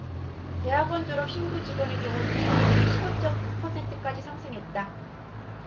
대학원 졸업 신규직원의 경우 이 비율이 십 오 쩜 구 퍼센트까지 상승했다